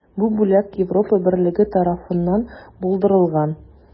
Бу бүләк Европа берлеге тарафыннан булдырылган.